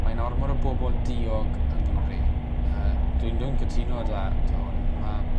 Mae 'na ormod o bobol diog yng Ngymru. yy dwi'n dwi'n cytuno 'da 'da hwn ma'